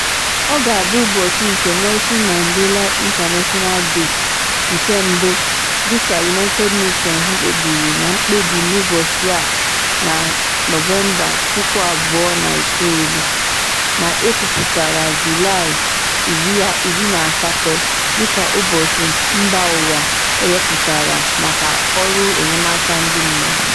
Ọ ga-abụ ụbọchi nke Nelson Mandela International Day nke mbụ, dị ka United Nations kpebiri na mkpebi n'ụbọchị a na Nọvemba 2009, na-ekwupụta Julaị 18 dịka ụbọchị mbaụwa ewepụtara maka ọrụ enyemaka ndị mmadụ.